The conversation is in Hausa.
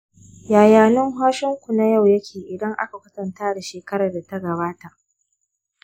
yaya numfashinku na yau yake idan aka kwatanta da na shekarar da ta gabata?